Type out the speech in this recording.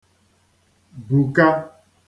bùka